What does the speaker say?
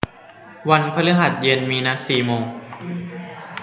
วันพฤหัสเย็นมีนัดสี่โมง